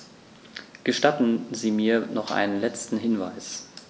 Gestatten Sie mir noch einen letzten Hinweis.